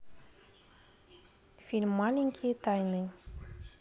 фильм маленькие тайны